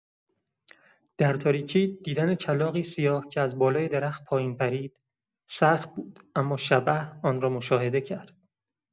در تاریکی، دیدن کلاغی سیاه که از بالای درخت پایین پرید، سخت بود، اما شبح آن را مشاهده کرد.